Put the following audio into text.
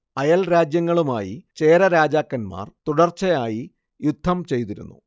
അയൽ രാജ്യങ്ങളുമായി ചേര രാജാക്കന്മാർ തുടർച്ചയായി യുദ്ധം ചെയ്തിരുന്നു